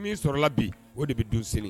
Min sɔrɔla la bi o de bɛ don seli